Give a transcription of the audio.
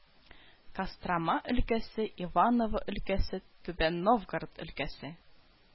Кострома өлкәсе, Иваново өлкәсе, Түбән Новгород өлкәсе